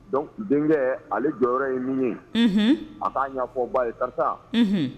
Dɔnku denkɛ ale jɔyɔrɔ ye min ye a ka'fɔba ye pasa